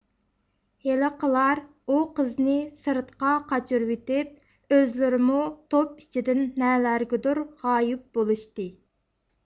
ھېلىقىلار ئۇ قىزنى سىرتقا قاچۇرۇۋېتىپ ئۆزلىرىمۇ توپ ئىچىدىن نەلەرگىدۇر غايىب بولۇشتى